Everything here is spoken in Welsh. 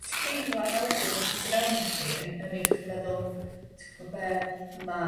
teimlad 'na wedyn t- tu fewn i chdi yn yn neu' chdi i feddwl ti gwbod be' ma'